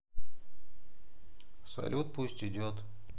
салют пусть идет